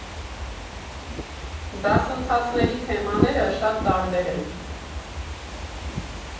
Դասընթացների թեմաները շատ տարբեր են։